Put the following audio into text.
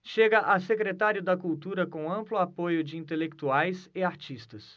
chega a secretário da cultura com amplo apoio de intelectuais e artistas